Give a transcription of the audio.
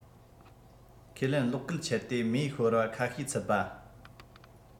ཁས ལེན གློག སྐུད ཆད དེ མེ ཤོར བ ཁ ཤས ཚུད པ